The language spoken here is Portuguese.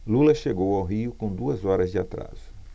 lula chegou ao rio com duas horas de atraso